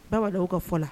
Baba ka fɔ la